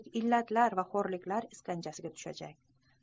illatlar va xo'rliklar iskanjasiga tushajak